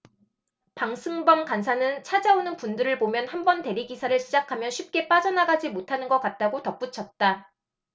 방승범 간사는 찾아오는 분들을 보면 한 번 대리기사를 시작하면 쉽게 빠져나가지 못하는 것 같다고 덧붙였다